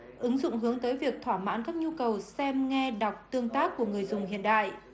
ứng dụng hướng tới việc thỏa mãn các nhu cầu xem nghe đọc tương tác của người dùng hiện đại